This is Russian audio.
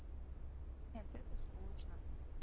нет это скучно